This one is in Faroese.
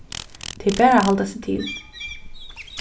tað er bara at halda seg til